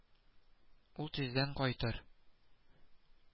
Ул тиздән кайтыр